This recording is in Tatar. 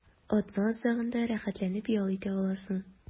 Атна азагында рәхәтләнеп ял итә аласың.